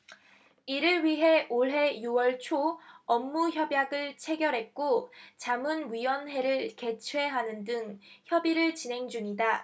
이를 위해 올해 유 월 초 업무협약을 체결했고 자문위원회를 개최하는 등 협의를 진행 중이다